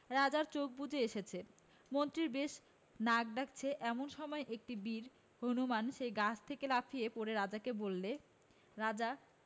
রাজার চোখ বুজে এসেছে মন্ত্রীর বেশ নাক ডাকছে এমন সময় একটা বীর হনুমান সেই গাছ থেকে লাফিয়ে পড়ে রাজাকে বললে রাজা